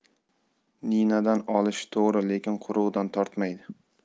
ninadan olishi to'g'ri lekin qurug'idan tortmaydi